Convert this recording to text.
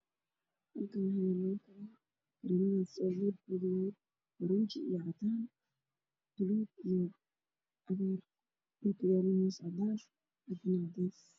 Meeshaan waxaa yaalo caadada laba xabo ah oo ay ku jiraan kareen oo saaran miis furkooda yahay cadaan